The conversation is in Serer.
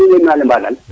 kude waag na lema daal